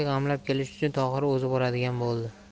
g'amlab kelish uchun tohir o'zi boradigan bo'ldi